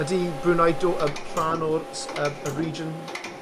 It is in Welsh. ydi Brunei do- yy rhan or sy- yym y region